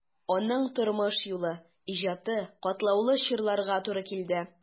Аның тормыш юлы, иҗаты катлаулы чорларга туры килде.